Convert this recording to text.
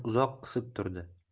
uzoq qisib turdi